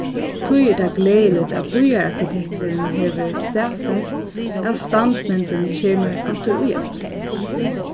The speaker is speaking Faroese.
tí er tað gleðiligt at býararkitekturin hevur staðfest at standmyndin kemur afturíaftur